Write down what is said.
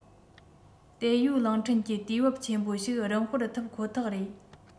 ཏེའོ ཡུས གླིང ཕྲན གྱི དུས བབ ཆེན པོ ཞིག རིམ སྤོར ཐུབ ཁོ ཐག རེད